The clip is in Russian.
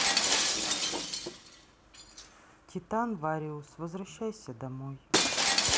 titan various возвращайся домой